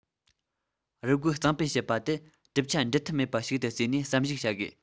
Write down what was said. རུལ རྒོལ གཙང སྤེལ བྱེད པ དེ གྲུབ ཆ འབྲལ ཐབས མེད པ ཞིག ཏུ བརྩིས ནས བསམ གཞིགས བྱ དགོས